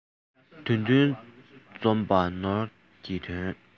དོན མཐུན འཇོམས པ ནོར གྱི དོན